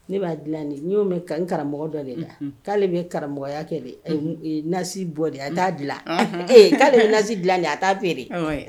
Ne b'a dilan de. N y'o mɛn ka karamɔgɔ dɔ de da. Unhun! K'ale bɛ karamɔgɔya kɛ dɛ,. Unhun! ɛ, nasi bɔ de, a t'a dilan, ee k'ale bɛ nasi dilan de, a t'a feere. Aa, oui!